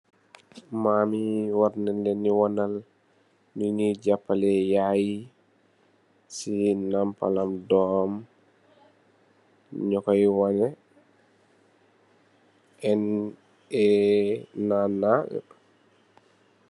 Mam yi waar nen lenni waanal nunyuy jappale yayi si naampale dom, nyu koy waane NaNA.